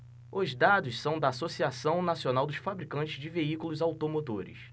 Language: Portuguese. os dados são da anfavea associação nacional dos fabricantes de veículos automotores